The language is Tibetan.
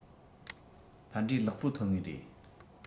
ཕན འབྲས ལེགས པོ ཐོན ངེས རེད